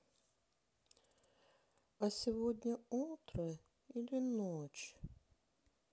а сегодня утро или ночь